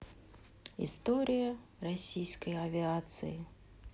история российской авиации